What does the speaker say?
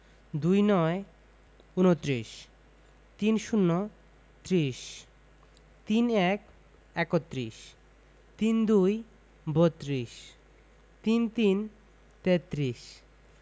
২৯ -ঊনত্রিশ ৩০ - ত্রিশ ৩১ - একত্রিশ ৩২ - বত্ৰিশ ৩৩ - তেত্রিশ